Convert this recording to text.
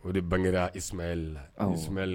O de bangela Ismael la. awɔ Ismael